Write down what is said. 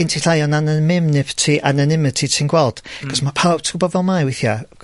...gen ti llai o nanonymnipty anonymity ti'n gweld. Hmm. 'C'os ma' pawb, ti wbod fel mae weithia'?